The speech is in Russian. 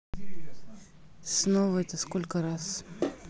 снова это сколько раз